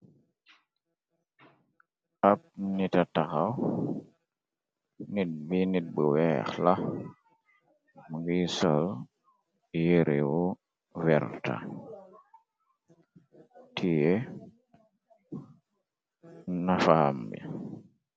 Ab nita tahaw nit bi nit bu weeh la, mungi sol yiré verta, tè nafaam bi.